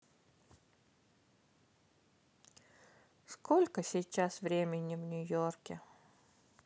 сколько сейчас времени в нью йорке